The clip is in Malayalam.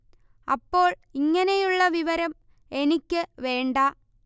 അപ്പോൾ ഇങ്ങനെയുള്ള വിവരം എനിക്ക് വേണ്ട